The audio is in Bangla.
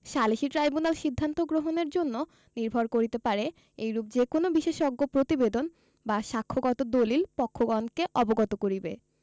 সালিসী ট্রাইব্যুনাল সিদ্ধান্ত গ্রহণের জন্য নির্ভর করিতে পারে এইরূপ যে কোন বিশেষজ্ঞ প্রতিবেদন বা সাক্ষ্যগত দলিল পক্ষগণকে অবগত করিবে